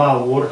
mawr